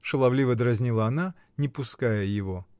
— шаловливо дразнила она, не пуская его.